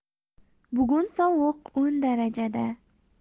bugun sovuq o'n darajada